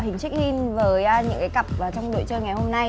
hình chếch in với những cái cặp trong đội chơi ngày hôm nay